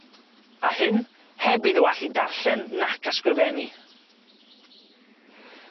A hyn heb iddo allu darllen nac ysgrifennu.